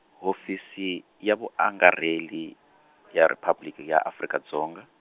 Hofisi, ya Vuangarheli , ya Riphabliki ya Afrika Dzonga.